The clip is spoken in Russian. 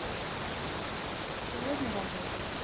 сегодня работал